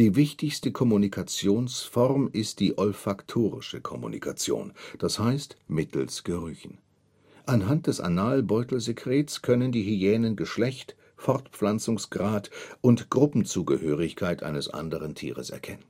wichtigste Kommunikationsform ist die olfaktorische Kommunikation, das heißt mittels Gerüchen. Anhand des Analbeutelsekrets können die Hyänen Geschlecht, Fortpflanzungsgrad und Gruppenzugehörigkeit eines anderen Tieres erkennen